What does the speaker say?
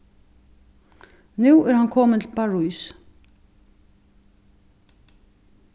nú er hann komin til parís